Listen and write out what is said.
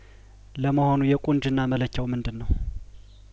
ለመሆኑ የቁንጅና መለኪያውምንድነው